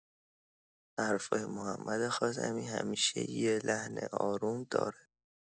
حرفای محمد خاتمی همیشه یه لحن آروم داره.